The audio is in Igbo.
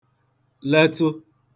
letụ